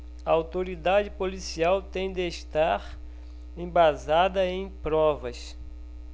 a autoridade policial tem de estar embasada em provas